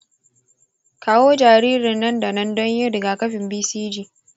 kawo jaririn nan da nan don yin rigakafin bcg.